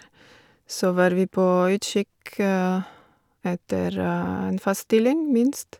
Så var vi på utkikk etter en fast stilling, minst.